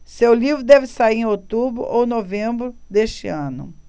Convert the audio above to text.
seu livro deve sair em outubro ou novembro deste ano